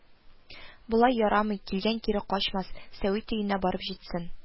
– болай ярамый, килгән кире качмас, сәвит өенә барып җитсен